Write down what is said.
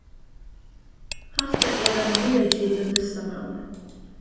hatta er ein víðagitin listamaður